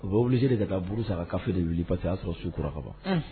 U bɛ wuli de ka buru san ka kafe de wuli pa y'a sɔrɔ su kura kaban